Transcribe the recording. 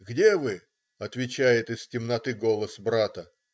Где вы?" - отвечает из темноты голос брата.